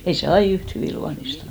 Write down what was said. ei se aina yhtä hyvin luonnistanut